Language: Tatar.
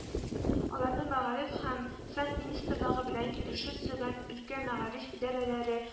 Аларны Мәгариф һәм фән министрлыгы белән килешү төзегән өлкә мәгариф идарәләре